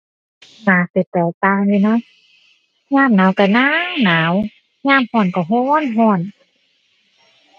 น่าสิแตกต่างอยู่นะ ยามหนาวก็หนาวหนาว ยามก็ก็ก็ก็